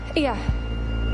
Ia.